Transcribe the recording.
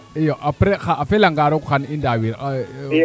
iyo apres xa a felanga roog xan i ndaawir